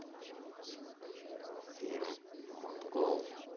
фильм монгол